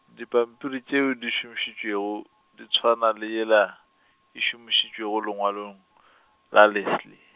dipampiri tšeo di šomišitšwego, di tšhwana le yela, e šomišitšwego lengwalong , la Leslie.